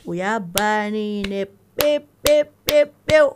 O y'a baan ne ye dɛ p p p pewu